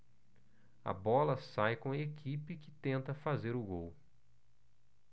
a bola sai com a equipe que tenta fazer o gol